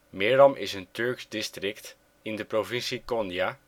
Meram is een Turks district in de provincie Konya